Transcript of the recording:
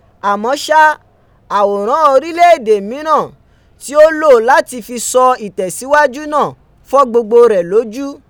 Àmọ́ ṣá, àwòrán orílẹ̀ èdè mìíràn tí ó lò láti fi sọ “ìtẹ̀síwájú" náà, fọ́ gbogbo rẹ̀ lójú.